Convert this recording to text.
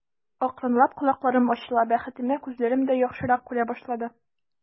Акрынлап колакларым ачыла, бәхетемә, күзләрем дә яхшырак күрә башлады.